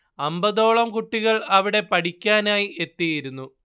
അമ്പതോളം കുട്ടികൾ അവിടെ പഠിക്കാനായി എത്തിയിരുന്നു